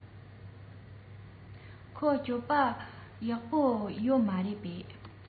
ཁོ སྤྱོད པ ཡག པོ ཡོད མ རེད པས